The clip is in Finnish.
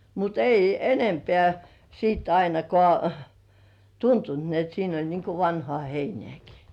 mutta ei enempää sitten ainakaan tuntunut niin että siinä oli niin kuin vanhaa heinääkin